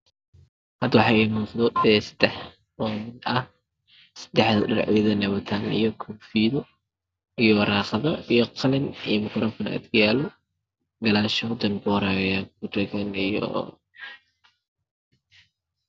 Halka. Waaxaa iag muuqdo oo ah sadex diran ay wataan iyo waraaqqdo iyo qalin